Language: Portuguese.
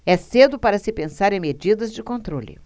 é cedo para se pensar em medidas de controle